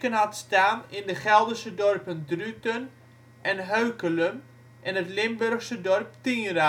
had staan in de Gelderse dorpen Druten en Heukelum en het Limburgse dorp Tienray